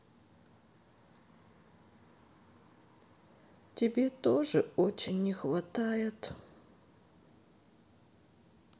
тебе тоже очень не хватает